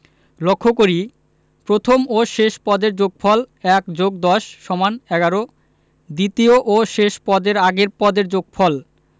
লক্ষ করি প্রথম ও শেষ পদের যোগফল ১+১০=১১ দ্বিতীয় ও শেষ পদের আগের পদের যোগফল